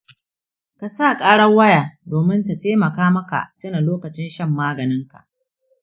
ka sa ƙarar waya domin ta taimaka maka tuna lokacin shan maganinka.